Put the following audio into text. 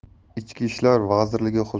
ichki ishlar vazirligi